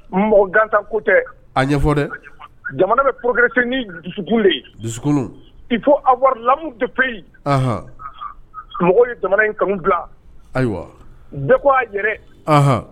Mɔgɔ ganta ko tɛ a ɲɛfɔ dɛ jamana bɛ pprete ni dusu de dusukolo i ko a bɔra lamɔ tɛfeɔn mɔgɔ ye jamana in ka ayiwa de ko' aa yɛrɛ aɔn